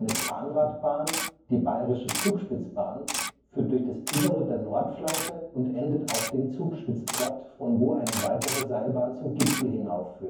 Zahnradbahn, die Bayerische Zugspitzbahn, führt durch das Innere der Nordflanke und endet auf dem Zugspitzplatt, von wo eine weitere Seilbahn zum Gipfel hinauf